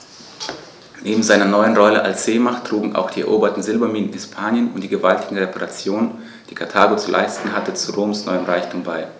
Neben seiner neuen Rolle als Seemacht trugen auch die eroberten Silberminen in Hispanien und die gewaltigen Reparationen, die Karthago zu leisten hatte, zu Roms neuem Reichtum bei.